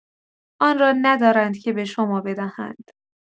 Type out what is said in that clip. آن را ندارند که به شما بدهند.